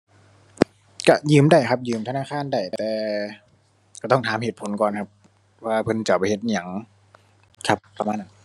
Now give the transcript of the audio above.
ก็ยืมได้ครับ ยืมธนาคารได้ แต่ ก็ต้องถามเหตุผลก่อนครับ ว่าเพิ่นจะเอาไปเฮ็ดอิหยัง ครับ ประมาณนั้น